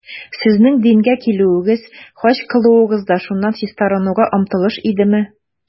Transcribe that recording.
Сезнең дингә килүегез, хаҗ кылуыгыз да шуннан чистарынуга омтылыш идеме?